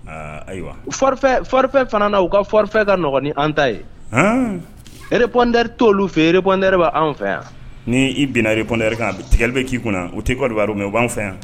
Aaa ayiwa forfait forfait fana na u ka forfait ka nɔgɔn ni an' ta ye haan répondeur t' olu fe ye répondeur be anw fɛ yan ni i binna répondeur kan a be tigɛli be k'i kunna o te Côte d' Ivoire mais o b'anw fɛ yan